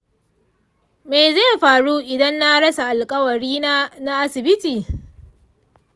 me zai faru idan na rasa alƙawarina na asibiti?